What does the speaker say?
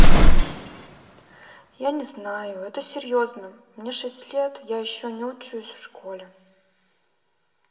я не знаю это серьезно мне шесть лет я еще не учусь в школе